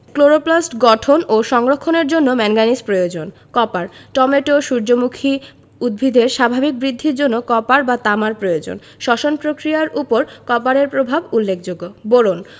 chloroplast গঠন ও সংরক্ষণের জন্য ম্যাংগানিজ প্রয়োজন কপার টমেটো সূর্যমুখী উদ্ভিদের স্বাভাবিক বৃদ্ধির জন্য কপার বা তামার প্রয়োজন শ্বসন পক্রিয়ার উপরও কপারের প্রভাব উল্লেখযোগ্য বোরন